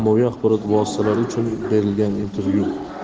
ommaviy axborot vositalari uchun berilgan intervyu